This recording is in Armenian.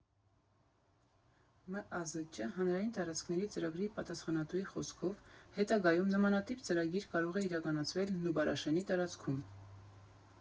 ՄԱԶԾ հանրային տարածքների ծրագրի պատասխանատուի խոսքով՝ հետագայում նմանատիպ ծրագիր կարող է իրականացվել Նուբարաշենի տարածքում։